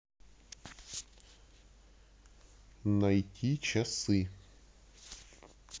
найти часы